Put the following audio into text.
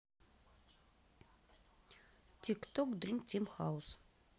тик ток дрим тим хаус